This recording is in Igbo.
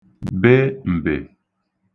be m̀bè